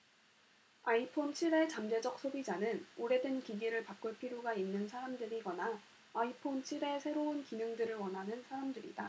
아이폰 칠 의 잠재적 소비자는 오래된 기기를 바꿀 필요가 있는 사람들이거나 아이폰 칠 의 새로운 기능들을 원하는 사람들이다